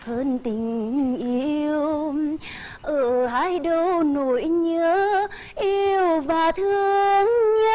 hơn tình yêu ở hai đầu nỗi nhớ yêu và thương nhau hơn